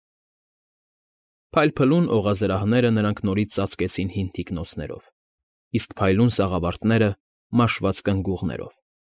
Փայլփլուն օղազրահները նրանք նորից ծածկեցին հին թիկնոնցերով, իսկ փայլուն սաղավարտները՝ մաշված կնգուղներով։